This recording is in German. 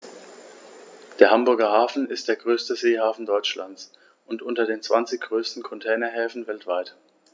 Der Hamburger Hafen ist der größte Seehafen Deutschlands und unter den zwanzig größten Containerhäfen weltweit.